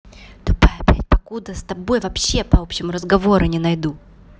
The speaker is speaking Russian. тупая блядь покуда с собой вообще по общему разговору не найду